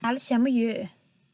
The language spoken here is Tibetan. ང ལ ཞྭ མོ ཡོད